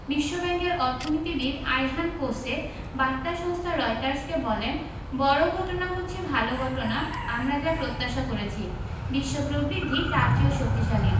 বিশ্বব্যাংকের অর্থনীতিবিদ Ayhan Kose বার্তা সংস্থা রয়টার্সকে বলেন বড় ঘটনা হচ্ছে ভালো ঘটনা আমরা যা প্রত্যাশা করেছি বিশ্ব প্রবৃদ্ধি তার চেয়েও শক্তিশালী